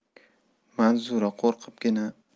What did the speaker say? manzura qo'rqibgina